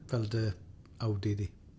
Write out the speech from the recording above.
Fel dy Audi di.